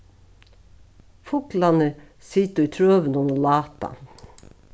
fuglarnir sita í trøunum og láta